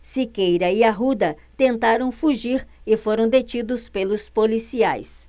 siqueira e arruda tentaram fugir e foram detidos pelos policiais